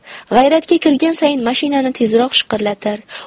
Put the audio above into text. g'ayratga kirgan sayin mashinani tezroq shiqirlatar